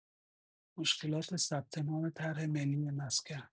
مشکلات ثبت‌نام طرح ملی مسکن